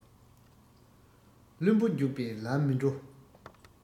བློན པོ འཇུག པའི ལམ མི འགྲོ